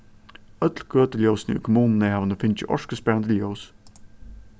øll gøtuljósini í kommununi hava nú fingið orkusparandi ljós